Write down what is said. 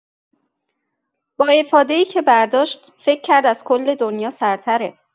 با افاده‌ای که برداشت، فکر کرد از کل دنیا سرتره.